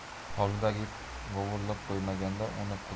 hovlidagi it vovullab qo'ymaganda